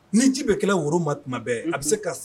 Ni ji bɛ kɛlɛ woro ma tuma bɛɛ a bɛ se ka